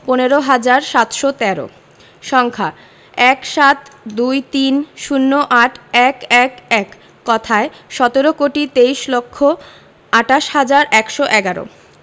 পনেরো হাজার সাতশো তেরো সংখ্যাঃ ১৭ ২৩ ০৮ ১১১ কথায়ঃ সতেরো কোটি তেইশ লক্ষ আট হাজার একশো এগারো